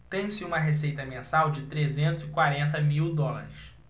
tem-se uma receita mensal de trezentos e quarenta mil dólares